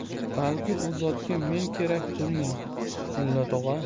balki u zotga men kerakdurmen mulla tog'a